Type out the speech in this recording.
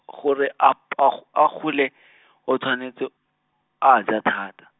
gore ap-, a g-, a gole , o tshwanetse, a ja thata.